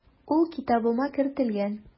Ул китабыма кертелгән.